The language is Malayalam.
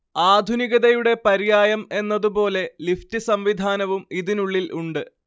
ആധുനികതയുടെ പര്യായം എന്നതുപോലെ ലിഫ്റ്റ് സംവിധാനവും ഇതിനുള്ളിൽ ഉണ്ട്